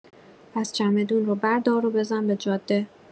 پس چمدون رو بردار و بزن به جاده!